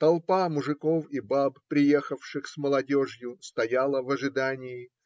Толпа мужиков и баб, приехавших с молодежью, стояла в ожидании.